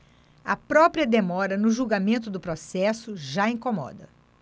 a própria demora no julgamento do processo já incomoda